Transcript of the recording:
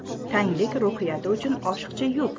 tanglik ruhiyati uchun oshiqcha yuk